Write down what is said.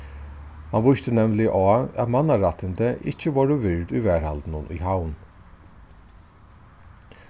hann vísti nevniliga á at mannarættindi ikki vórðu vird í varðhaldinum í havn